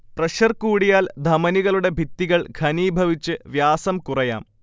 pressure കൂടിയാൽ ധമനികളുടെ ഭിത്തികൾ ഘനീഭവിച്ച് വ്യാസം കുറയാം